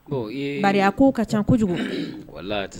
Bao, bari a ko kacaa kojugu , unhun, wallahi